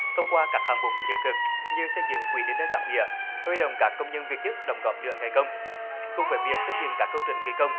thông qua các hạng mục thiết thực như xây dựng quỹ đền ơn đáp nghĩa huy động các công nhân viên chức đóng góp nửa ngày công cùng với việc xây dựng các công trình ghi công